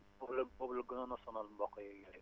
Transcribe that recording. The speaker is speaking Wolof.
foofu la foofu la gënoon a sonal mboq yeeg ñebe